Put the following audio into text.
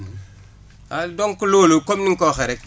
waa donc loolu comme ni nga ko waxee rek